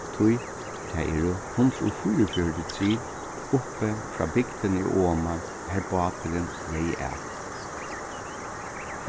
tí tað eru hundrað og fýraogfjøruti trin uppi frá bygdini og oman har báturin legði at